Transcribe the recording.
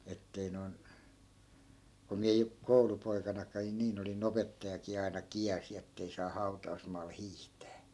että ei noin kun minä jo koulupoikanakin niin olin opettajakin aina kielsi että ei saa hautausmaalla hiihtää